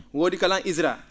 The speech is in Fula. woodi kalan ISRA